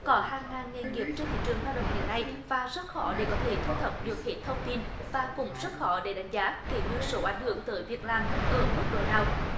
có hàng ngàn nghề nghiệp trên thị trường lao động hiện nay và rất khó để có thể thu thập được hệ thông tin và cũng rất khó để đánh giá kỷ nguyên số ảnh hưởng tới việc làm ở mức độ nào